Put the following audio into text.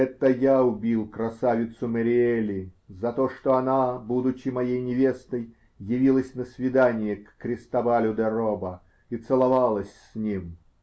Это я убил красавицу Мэриели за то, что она, будучи моей невестой, явилась на свидание к Кристобалю де Роба и поцеловалась с ним.